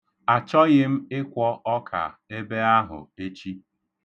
Achọghị m ịkwọ ọka ebe ahụ echi.